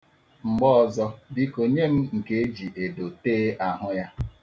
Mgbe ọzọ, biko, nye m nke e ji edo tee ahụ ya.